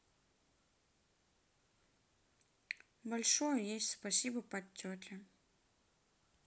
большое есть спасибо подтеки